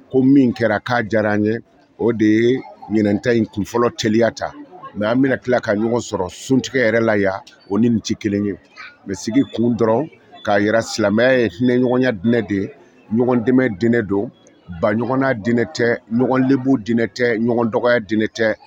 Ko min kɛra k'a diyara an ye o de ye ɲinta in kunfɔlɔ teliya ta nka an bɛna tila ka ɲɔgɔn sɔrɔ suntigɛ yɛrɛ la yan o ni nin tɛ kelen ye mɛ sigi kun dɔrɔn k'a jira silamɛ ye hinɛinɛ ɲɔgɔnya dinɛ de ye ɲɔgɔnd dinɛ don ba ɲɔgɔnya dinɛ tɛ ɲɔgɔnlenbbu dinɛ tɛ ɲɔgɔn dɔgɔya dininɛ tɛ